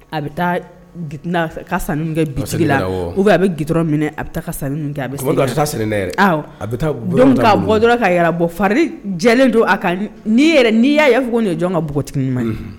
A bɛ taa ka sanu kɛ dusigi la u bɛ a bɛ g minɛ a bɛ taa sanu ka yɛrɛ bɔ fari jɛlen don a kani yɛrɛ n'i y'a yaa fɔ ko nin ye jɔn ka b npogotigi ɲuman ye